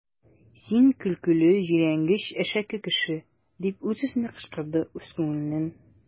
Син көлкеле, җирәнгеч, әшәке кеше! - дип үз-үзенә кычкырды ул күңеленнән.